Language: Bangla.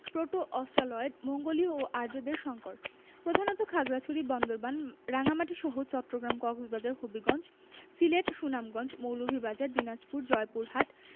প্রোটো অস্ট্রালয়েড মঙ্গোলীয় এবং আর্যদের সংকর প্রধানত খাগড়াছড়ি বান্দরবান ও রাঙ্গামাটিসহ চট্টগ্রাম কক্সবাজার হবিগঞ্জ সিলেট সুনামগঞ্জ মৌলভীবাজার দিনাজপুর জয়পুরহাট